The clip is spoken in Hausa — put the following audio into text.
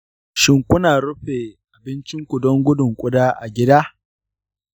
shin kuna rufe abincinku don gudun kuda a gida?